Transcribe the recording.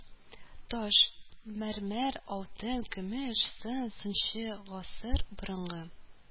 Таш, мəрмəр, алтын, көмеш, сын, сынчы, гасыр, борынгы